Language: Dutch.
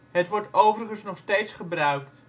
Het wordt overigens nog steeds gebruikt